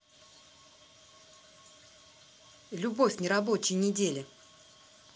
любовь в нерабочие недели